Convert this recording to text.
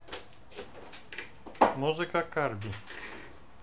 музыка curbi